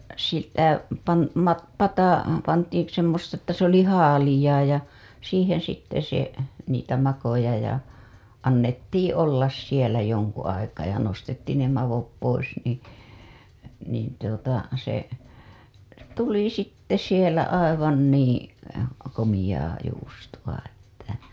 ja sitä -- pata pantiin semmoista että se oli - haaleaa ja siihen sitten se niitä makoja ja annettiin olla siellä jonkun aikaa ja nostettiin ne maot pois niin niin tuota se tuli sitten siellä aivan niin komeaa juustoa että